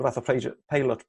rwfath o preisio- peilot